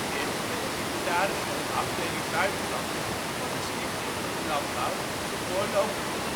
1947 werd hij secretaris van de afdeling buitenland van de Stichting voor de Landbouw, de voorloper van